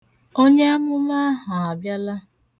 Onyeamụma ahụ abịala.